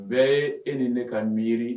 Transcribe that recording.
Bɛɛ ye e ni ne ka miiri